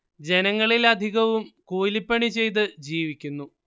ജനങ്ങളിൽ അധികവും കൂലി പണി ചെയ്തു ജീവിക്കുന്നു